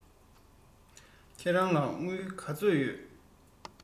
ཁྱེད རང ལ དངུལ ལ ཚོད ཡོད